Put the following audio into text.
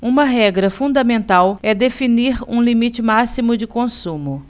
uma regra fundamental é definir um limite máximo de consumo